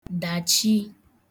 dàchi